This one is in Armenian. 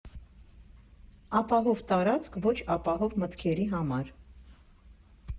Ապահով տարածք ոչ ապահով մտքերի համար։